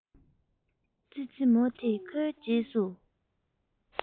ཙི ཙི མོ དེས ཁོའི རྗེས སུ